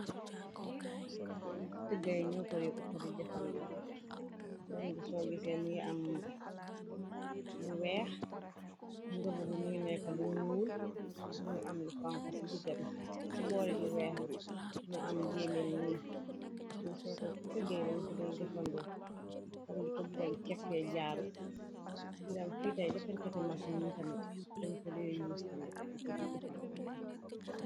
Tëgga yi ñu ko de uppa di jëfando, wej gi soo gise muy am bu weex, ngëbu bi mungi nekka lu ñuul, muy am lu xonxu ci digga bi, ci boore lu weex, mu am gemeej otëggay dañ ko dey jëfandu, kom di ko buga deko kepe jaaru, tiram fitay defarkati masini tamit dañ ko de yuus tamit, diko di jëfandiko.